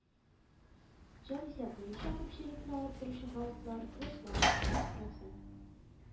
Җанисәп буенча күпчелекне алып торучы халыклар: руслар (100%)